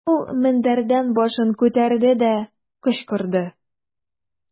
Ул мендәрдән башын күтәрде дә, кычкырды.